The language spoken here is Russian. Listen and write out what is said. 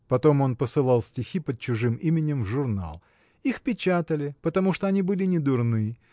Потом он посылал стихи под чужим именем в журнал. Их печатали потому что они были недурны